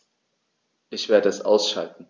Ich werde es ausschalten